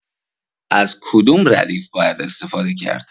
از کدوم ردیف باید استفاده کرد؟